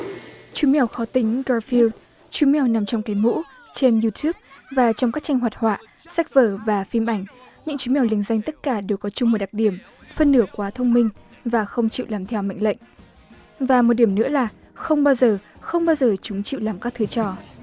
chú mèo khó tính ra phiêu chú mèo nằm trong cái mũ trên iu túp và trong các tranh hoạt họa sách vở và phim ảnh những chú mèo lừng danh tất cả đều có chung một đặc điểm phân nửa quá thông minh và không chịu làm theo mệnh lệnh và một điểm nữa là không bao giờ không bao giờ chúng chịu làm các thứ trò